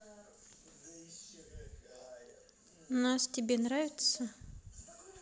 нас тебе нравится